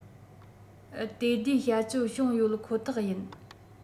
ལྟོས ཟླའི བྱ སྤྱོད བྱུང ཡོད ཁོ ཐག ཡིན